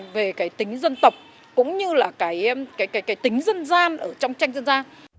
về cái tính dân tộc cũng như là cái ưm cái cái cái tính dân gian ở trong tranh dân gian